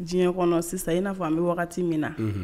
Diɲɛ kɔnɔ sisan i n'a fɔ an bɛ wagati min na, unhun.